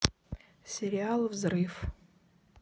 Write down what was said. сериал взрыв